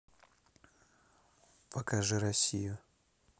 покажи россию